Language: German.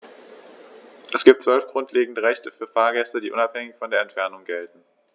Es gibt 12 grundlegende Rechte für Fahrgäste, die unabhängig von der Entfernung gelten.